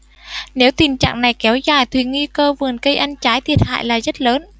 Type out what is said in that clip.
nếu tình trạng này kéo dài thì nguy cơ vườn cây ăn trái thiệt hại là rất lớn